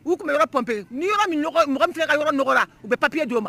U tun bɛ yɔrɔ pompé n'i yɔrɔ min nɔgɔ mɔgɔ min ka yɔrɔ nɔgɔ la, u bɛ papier di o ma